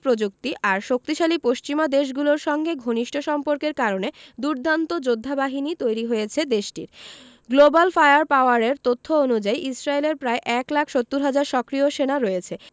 প্রযুক্তি আর শক্তিশালী পশ্চিমা দেশগুলোর সঙ্গে ঘনিষ্ঠ সম্পর্কের কারণে দুর্দান্ত যোদ্ধাবাহিনী তৈরি হয়েছে দেশটির গ্লোবাল ফায়ার পাওয়ারের তথ্য অনুযায়ী ইসরায়েলের প্রায় ১ লাখ ৭০ হাজার সক্রিয় সেনা রয়েছে